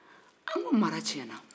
an ko mara tiɲɛna